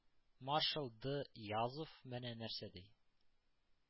Маршал д.язов менә нәрсә ди: